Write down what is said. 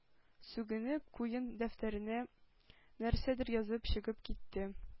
Сүгенеп, куен дәфтәренә нәрсәдер язып чыгып китте.